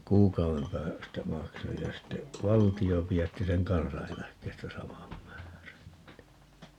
kuukauden päästä maksoin ja sitten valtio pidätti sen kansaneläkkeestä saman määrän niin